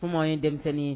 Comme an ye denmisɛnnin ye.